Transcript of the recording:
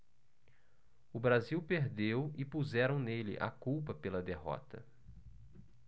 o brasil perdeu e puseram nele a culpa pela derrota